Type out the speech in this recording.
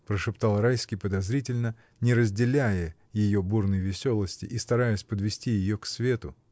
— прошептал Райский подозрительно, не разделяя ее бурной веселости и стараясь подвести ее к свету.